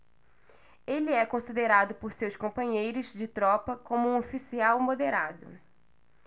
ele é considerado por seus companheiros de tropa como um oficial moderado